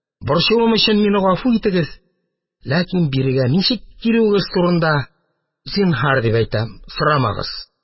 Борчуым өчен мине гафу итегез, ләкин бирегә ничек килүегез турында, зинһар дип әйтәм, сорамагыз…